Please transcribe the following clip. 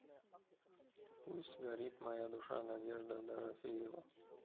пусть горит моя душа надежда дорофеева